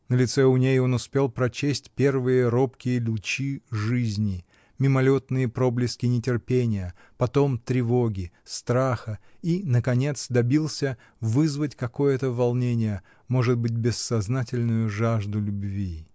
На лице у ней он успел прочесть первые, робкие лучи жизни, мимолетные проблески нетерпения, потом тревоги, страха и, наконец, добился вызвать какое-то волнение, может быть, бессознательную жажду любви.